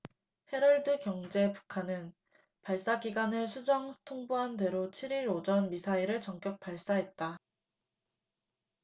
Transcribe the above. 헤럴드경제 북한은 발사 기간을 수정 통보한대로 칠 일 오전 미사일을 전격 발사했다